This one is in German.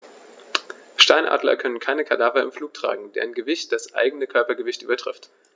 Steinadler können keine Kadaver im Flug tragen, deren Gewicht das eigene Körpergewicht übertrifft.